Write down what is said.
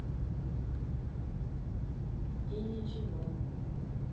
и ничего